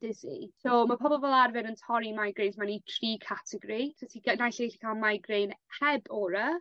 dizzy. So ma' pobol fel arfer yn torri migraines mewn i tri categori. So ti ga- naill ai gallu ca'l migraine heb aura